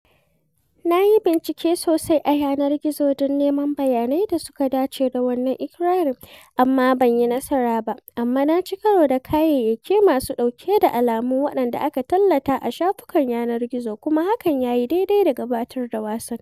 Na yi bincike sosai a yanar gizo don neman bayanai da suka dace da wannan iƙirarin amma ban yi nasara ba, amma na ci karo da kayayyaki masu ɗauke da alamun waɗanda aka tallata a shafukan yanar gizo, kuma hakan ya yi daidai da gabatar da wasan.